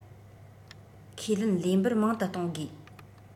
ཁས ལེན ལས འབོར མང དུ གཏོང དགོས